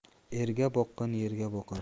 erga boqqan yerga boqar